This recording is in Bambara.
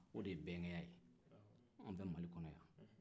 o de ye bɛnkɛya ye anw fɛ mali kɔnɔ ya